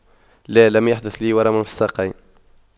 لا لم يحدث لي ورم في الساقين